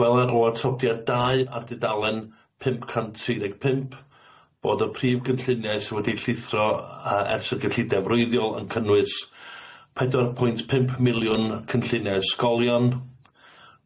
Gweler o atodiad dau ar dudalen pump cant tri deg pump bod y prif gynlluniau sy wedi'i llithro yy ers y gyllide breiddiol yn cynnwys pedwar pwynt pump miliwn cynlluniau ysgolion,